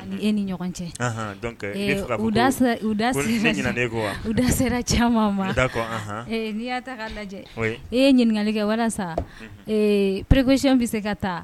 E ni ɲɔgɔn cɛ da sera caman ma n'i lajɛ e ye ɲininkali kɛ walasa saresiy bɛ se ka taa